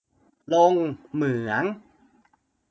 ลงเหมือง